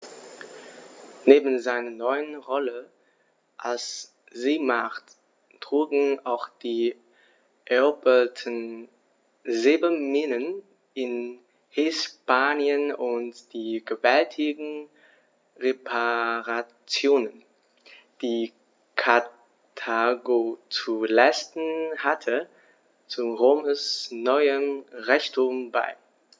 Neben seiner neuen Rolle als Seemacht trugen auch die eroberten Silberminen in Hispanien und die gewaltigen Reparationen, die Karthago zu leisten hatte, zu Roms neuem Reichtum bei.